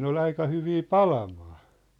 ne oli aika hyviä palamaan